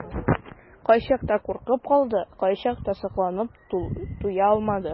Кайчакта куркып калды, кайчакта сокланып туя алмады.